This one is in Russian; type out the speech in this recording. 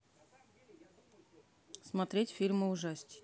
смотреть фильмы ужастики